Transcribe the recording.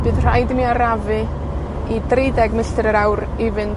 bydd rhaid i mi arafu i dri deg milltir yr awr i fynd